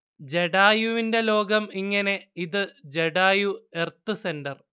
ജടായുവിന്റെ ലോകം ഇങ്ങനെ. ഇത് ജടായു എർത്ത് സെന്റർ